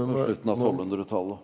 på slutten av tolvhundretallet.